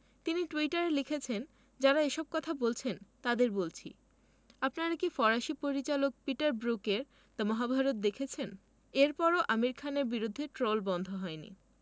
তিনি টুইটারে লিখেছেন যাঁরা এসব কথা বলছেন তাঁদের বলছি আপনারা কি ফরাসি পরিচালক পিটার ব্রুকের “দ্য মহাভারত” দেখেছেন এরপরও আমির খানের বিরুদ্ধে ট্রল বন্ধ হয়নি